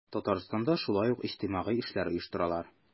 Татарстанда шулай ук иҗтимагый эшләр оештыралар.